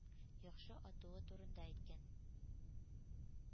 Яхшы атуы турында әйткән.